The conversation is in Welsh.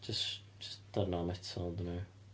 Jyst jyst darnau o metal ydyn nhw ia